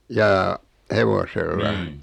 jaa hevosella